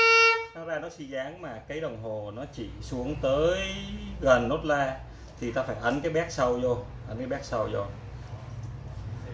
nó ra nốt bb mà cái kim nó chỉ xuống tới gần nốt a thì ta phải ấn các bec sâu vô